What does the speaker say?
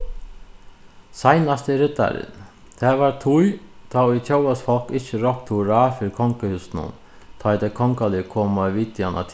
seinasti riddarin tað var tíð tá ið tjóðveldisfólk ikki róptu hurrá fyri kongahúsinum tá ið tey kongaligu komu á vitjan á